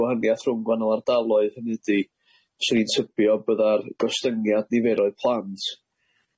gwahaniath rhwng gwahanol ardaloedd hynny ydi 'swn i'n tybio bydda'r gostyngiad niferoedd plant